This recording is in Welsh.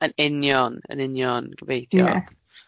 Yn union yn union. Gobeithio. Ie.